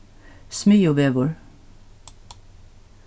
smiðjuvegur